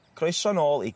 Croeso nôl i...